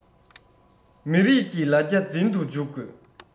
མི རིགས ཀྱི ལ རྒྱ འཛིན དུ འཇུག དགོས